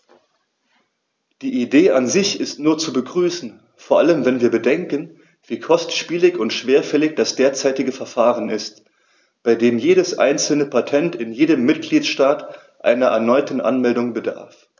Die Idee an sich ist nur zu begrüßen, vor allem wenn wir bedenken, wie kostspielig und schwerfällig das derzeitige Verfahren ist, bei dem jedes einzelne Patent in jedem Mitgliedstaat einer erneuten Anmeldung bedarf.